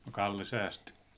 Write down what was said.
ja Kalle säästyi